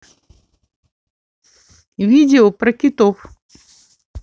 видео про китов